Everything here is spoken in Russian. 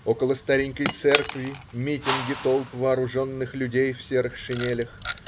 Около старенькой церкви митинги толп вооруженных людей в серых шинелях.